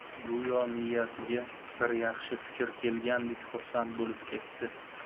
go'yo miyasiga bir yaxshi fikr kelgandek xursand bo'lib ketdi